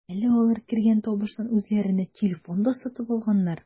Әле алар кергән табыштан үзләренә телефон да сатып алганнар.